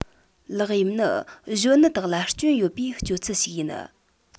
ལག གཡེམ ནི གཞོན ནུ དག ལ སྐྱོན ཡོད པའི སྤྱོད ཚུལ ཞིག ཡིན